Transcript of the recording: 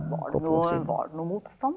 var det noe var det noe motstand?